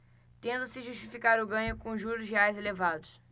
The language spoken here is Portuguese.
tenta-se justificar o ganho com os juros reais elevados